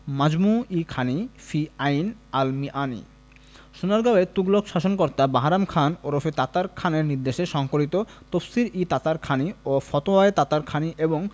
মাজমু ই খানী ফি আইন আল মাআনী সোনারগাঁয়ের তুগলক শাসনকর্তা বাহরাম খান ওরফে তাতার খানএর নির্দেশে সংকলিত তফসির ই তাতারখানী ও ফতওয়ায়ে তাতারখানী এবং